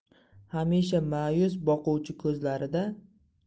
hamisha mayus boquvchi ko'zlarida